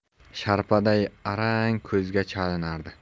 sharpaday arang ko'zga chalinardi